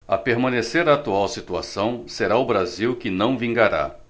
a permanecer a atual situação será o brasil que não vingará